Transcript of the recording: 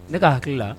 Ne ka hakili la